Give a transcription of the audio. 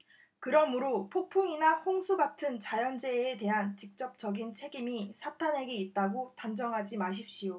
그러므로 폭풍이나 홍수 같은 자연재해에 대한 직접적인 책임이 사탄에게 있다고 단정하지 마십시오